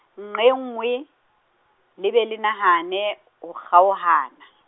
nnqe nngwe, le be le nahane, ho kgaohana.